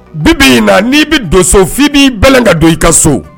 Bi bi n na n'i bɛ don so f'i b'i bɛlɛn ka don i ka so.